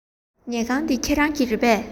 ཉལ ཁང འདི ཁྱེད རང གི རེད པས